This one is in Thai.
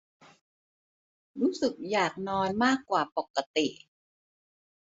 รู้สึกอยากนอนมากกว่าปกติ